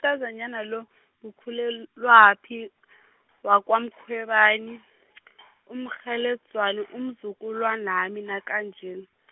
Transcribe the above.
umntazanyana lo, nguKhulelwaphi , wakwaMkhwebani , eMkgheledzwana umzukulwanami nakanjena.